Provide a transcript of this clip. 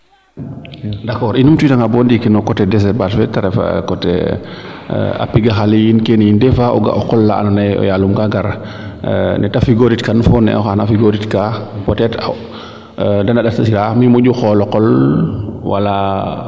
d' accord i tumtu wiida nga bo ndiiki no coté desherbage fe tee ref coté a pigaxa le yiin kene yiin des fois o ga o qol la andona ye o yalum kaa gar neete figo rikan fo ne o xaana figorit ka peut etre mi moƴu xoolo qol wala